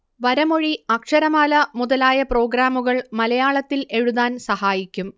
വരമൊഴി അക്ഷരമാല മുതലായ പ്രോഗ്രാമുകൾ മലയാളത്തിൽ എഴുതാൻ സഹായിക്കും